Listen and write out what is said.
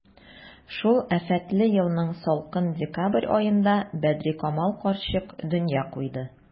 Шул афәтле елның салкын декабрь аенда Бәдрикамал карчык дөнья куйды.